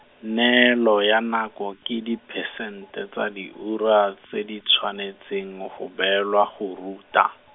neelo ya nako ke diphesente tsa diura tse di tshwanetseng mo go beelwa go ruta.